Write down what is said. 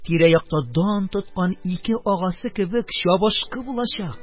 Тирә-якта дан тоткан ике агасы кебек чабышкы булачак!